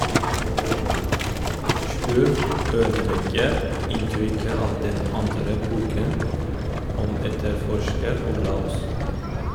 Slurv ødelegger inntrykket av den andre boken om etterforsker Orla Os.